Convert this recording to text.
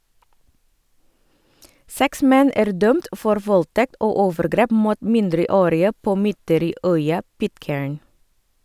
Seks menn er dømt for voldtekt og overgrep mot mindreårige på mytteri-øya Pitcairn.